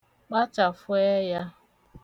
kpachàfụ ẹyā